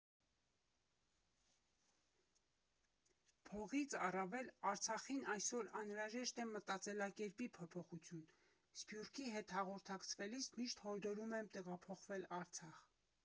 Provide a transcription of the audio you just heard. Փողից առավել Արցախին այսօր անհրաժեշտ է մտածելակերպի փոփոխություն, սփյուռքի հետ հաղորդակցվելիս միշտ հորդորում եմ տեղափոխվել Արցախ։